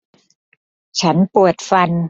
ฉันปวดฟัน